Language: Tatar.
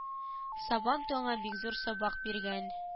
Сабантуй аңа бик зур сабак биргән